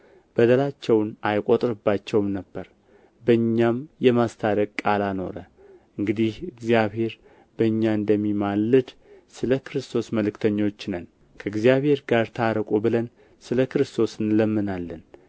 በደላቸውን አይቆጥርባቸውም ነበር በእኛም የማስታረቅ ቃል አኖረ እንግዲህ እግዚአብሔር በእኛ እንደሚማልድ ስለ ክርስቶስ መልክተኞች ነን ከእግዚአብሔር ጋር ታረቁ ብለን ስለ ክርስቶስ እንለምናለን